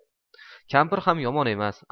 kampir ham yomon emas